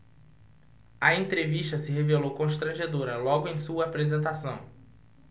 a entrevista se revelou constrangedora logo em sua apresentação